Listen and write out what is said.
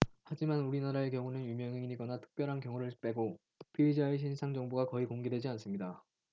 하지만 우리나라의 경우는 유명인이거나 특별한 경우를 빼고 피의자 신상 정보가 거의 공개되지 않습니다